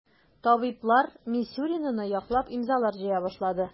Табиблар Мисюринаны яклап имзалар җыя башлады.